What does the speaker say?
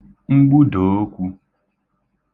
mgbudòokwū